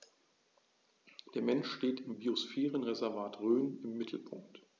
Der Mensch steht im Biosphärenreservat Rhön im Mittelpunkt.